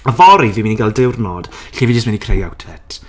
Yfory, fi'n mynd i gael diwrnod lle fi jyst yn mynd i creu outfit.